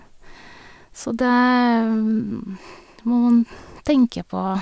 Så det det må man tenke på.